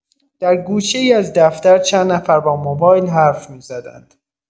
در گوشه‌ای از دفتر چند نفر با موبایل حرف می‌زدند.